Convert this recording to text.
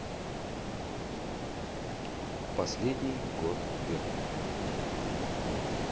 последний год беркута